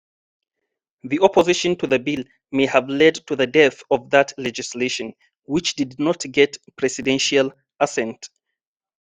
The opposition to the bill may have led to the death of that legislation — which did not get presidential assent.